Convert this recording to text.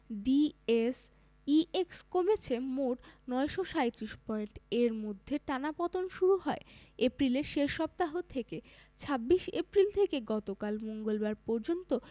DSEX কমেছে মোট ৯৩৭ point এর মধ্যে টানা পতন শুরু হয় এপ্রিলের শেষ সপ্তাহ থেকে ২৬ এপ্রিল থেকে গতকাল মঙ্গলবার পর্যন্ত